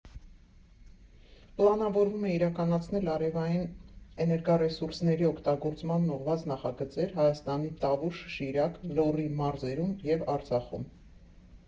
Պլանավորվում է իրականացնել արևային էներգառեսուրսների օգտագործմանն ուղղված նախագծեր Հայաստանի Տավուշ, Շիրակ, Լոռի մարզերում և Արցախում։